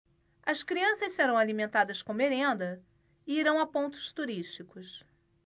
as crianças serão alimentadas com merenda e irão a pontos turísticos